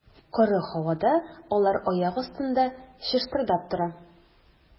Коры һавада алар аяк астында чыштырдап тора.